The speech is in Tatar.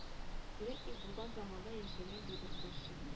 Үрәтник булган заманда яшәгән ди бер карчык